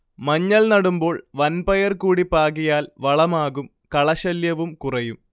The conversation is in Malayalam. മഞ്ഞൾ നടുമ്പോൾ വൻപയർ കൂടി പാകിയാൽ വളമാകും കളശല്യവും കുറയും